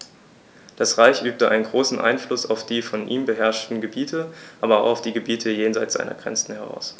Das Reich übte einen großen Einfluss auf die von ihm beherrschten Gebiete, aber auch auf die Gebiete jenseits seiner Grenzen aus.